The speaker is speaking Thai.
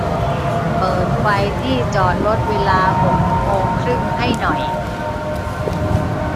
เปิดไฟที่จอดรถเวลาหกโมงครึ่งให้หน่อย